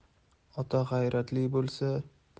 ota g'ayrath bo'lsa